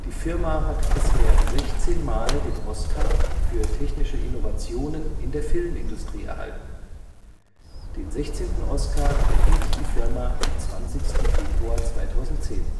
Firma hat bisher sechzehnmal den Oscar für technische Innovationen in der Filmindustrie erhalten. Den sechzehnten Oskar erhielt die Firma am 20. Februar 2010